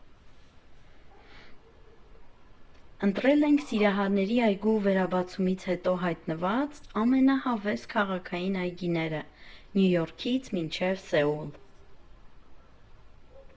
Ընտրել ենք Սիրահարների այգու վերաբացումից հետո հայտնված ամենահավես քաղաքային այգիները՝ Նյու Յորքից մինչև Սեուլ։